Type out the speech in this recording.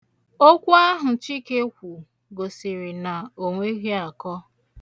Okwu ahụ Chike kwu gosiri na o nweghị akọ.